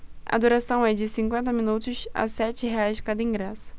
a duração é de cinquenta minutos a sete reais cada ingresso